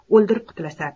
o'ldirib qutulasan